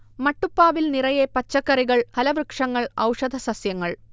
മട്ടുപ്പാവിൽ നിറയെ പച്ചക്കറികൾ, ഫലവൃക്ഷങ്ങൾ, ഔഷധ സസ്യങ്ങൾ